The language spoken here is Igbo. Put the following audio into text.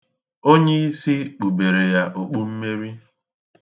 Onyeisi kpubere ya okpu mmeri.